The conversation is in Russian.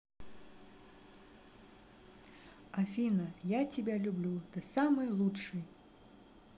афина я тебя люблю ты самый лучший